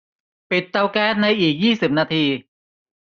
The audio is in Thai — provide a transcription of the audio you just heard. ปิดเตาแก๊สในอีกยี่สิบนาที